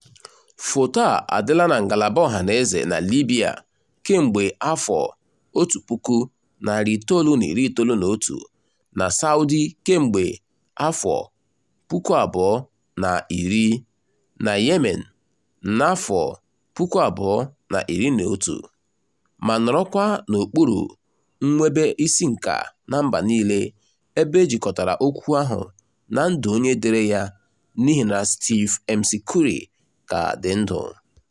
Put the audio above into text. Foto a adịla na ngalaba ọhaneze na Libya kemgbe 1991, na Saudi kemgbe 2010, na Yemen na 2011, ma nọrọkwa n'okpuru nnwebisiinka na mba niile ebe ejikọtara okwu ahụ na ndụ onye dere ya n'ihi na Steve McCurry ka dị ndụ.